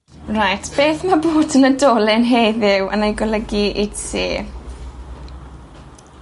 Reit beth ma' bod yn oedolyn heddiw yn ei golygu i ti?